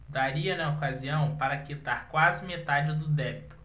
daria na ocasião para quitar quase metade do débito